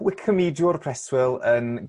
wicmediwr preswyl yn